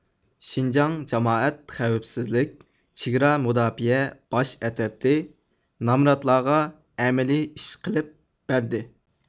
شىنجاڭ جامائەت خەۋپسىزلىك چېگرا مۇداپىئە باش ئەترىتى نامراتلارغا ئەمەلىي ئىش قىلىپ بەردى